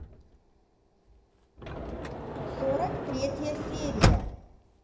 сорок третья серия